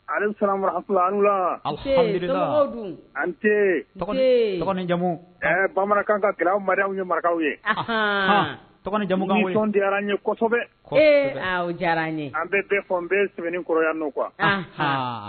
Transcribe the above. Ali an bamanankan ka mari ye marakaw ye diyara ye kosɛbɛ diyara an bɛ bɛɛ fɔ n bɛ sɛbɛn kɔrɔya' qu